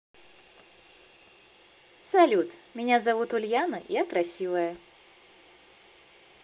салют меня зовут ульяна я красивая